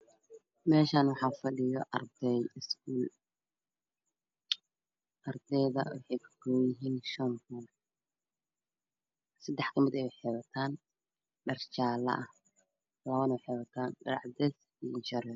Meshan waxaa fadhiyan arday isguul wexey ka kooban yihiin shan arday sedax ka mida wexeey watan dhar jala ah labana dhar cadees ah